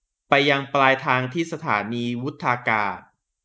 ไปยังปลายทางที่สถานีวุฒากาศ